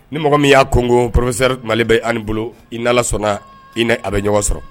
Ni mɔgɔ min y'a koko ppssɛri mali bɛ an bolo i na sɔnna i a bɛ ɲɔgɔn sɔrɔ